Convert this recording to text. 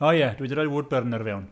O ie, dwi 'di rhoi woodburner fewn.